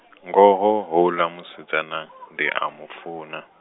ngoho houḽa musidzana , ndi a mufunwa.